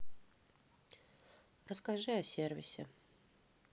расскажи о сервисе